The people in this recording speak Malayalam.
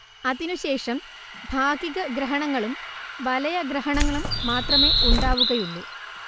അതിനുശേഷം ഭാഗികഗ്രഹണങ്ങളും വലയഗ്രഹണങ്ങളും മാത്രമേ ഉണ്ടാവുകയുള്ളൂ